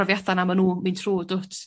...profiada 'na ma' nw'n mynd trw dw't?